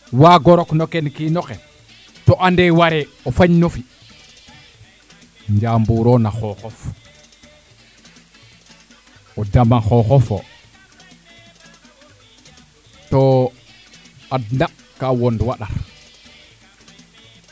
waago rok no ken kiinoxe to ande ware o wañ no fi njamburo na xoxof o dam xooxofo to adna kaa won wa ɗar